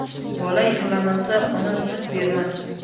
bola yig'lamasa ona sut bermas